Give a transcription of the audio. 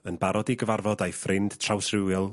yn barod i gyfarfod â'i ffrind trawsrhywiol...